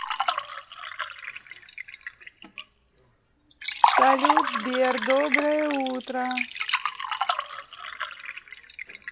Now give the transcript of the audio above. салют сбер доброе утро